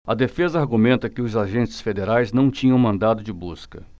a defesa argumenta que os agentes federais não tinham mandado de busca